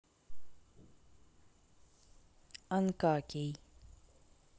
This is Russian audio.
тупое имя